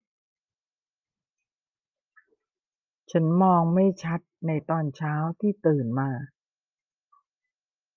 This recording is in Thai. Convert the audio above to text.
ฉันมองเห็นไม่ชัดในตอนเช้าที่ตื่นมา